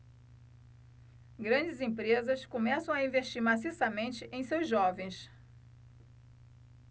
grandes empresas começam a investir maciçamente em seus jovens